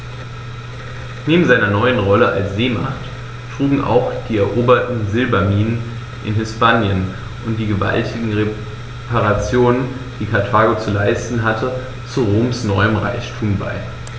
Neben seiner neuen Rolle als Seemacht trugen auch die eroberten Silberminen in Hispanien und die gewaltigen Reparationen, die Karthago zu leisten hatte, zu Roms neuem Reichtum bei.